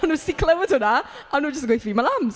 O'n nhw jyst 'di clywed hwnna a o'n nhw jyst yn gweud 'Ffimalams'.